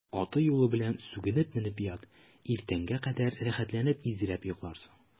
Аты-юлы белән сүгенеп менеп ят, иртәнгә кадәр рәхәтләнеп изрәп йокларсың.